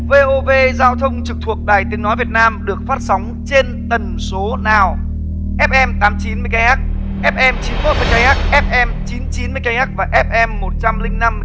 ô vê giao thông trực thuộc đài tiếng nói việt nam được phát sóng trên tần số nào ép em tám chín mê ca ép ép em chín mốt mê ca ép ép em chín chín mê ca ép và ép em một trăm linh năm